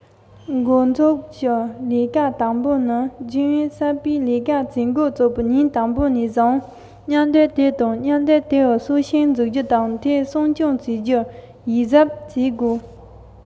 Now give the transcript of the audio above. ཆབ སྲིད ཅུད ཡག པོ ཞིག ཡོད ཞིག ཡོད པ དང ལྷག པ དང ལས ཀར འབད བརྩོན བྱས ནས བྱེད མཁན ཞིག བྱུང ན མིག དཔེར གྱུར ཐུབ